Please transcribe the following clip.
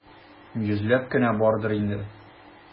Йөзләп кенә бардыр инде.